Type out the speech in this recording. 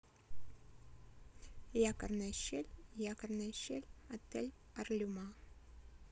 якорная щель якорная щель отель арлюма